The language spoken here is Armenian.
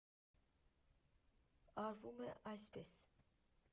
Արվում է այսպես.